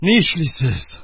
Нишлисез...